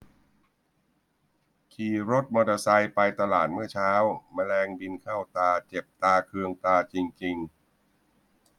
ขี่รถมอเตอร์ไซไปตลาดเมื่อเช้าแมลงบินเข้าตาเจ็บตาเคืองตาจริงจริง